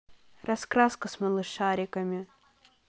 раскраска с малышариками